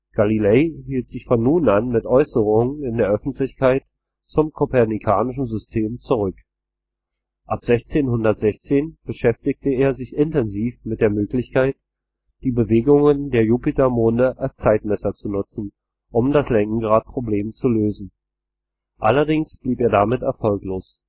Galilei hielt sich von nun an mit Äußerungen in der Öffentlichkeit zum kopernikanischen System zurück. Ab 1616 beschäftigte er sich intensiv mit der Möglichkeit, die Bewegungen der Jupitermonde als Zeitmesser zu nutzen, um das Längengradproblem zu lösen. Allerdings blieb er damit erfolglos